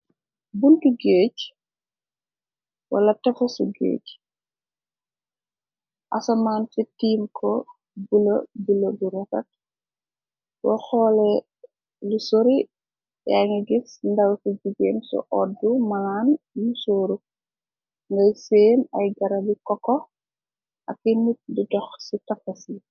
Bunti géej wala tefasu géej, asamaan ci tiim ko bulo, bulo bu refet, bu xoole lu sori yangi gis ndaw fi jigeen su oddu maaan yu sóoru , ngay seen ay garabi koko akyi nit di dox ci tafas yi.